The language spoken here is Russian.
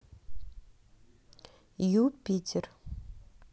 ю питер